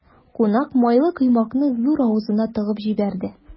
Кунак майлы коймакны зур авызына тыгып җибәрде.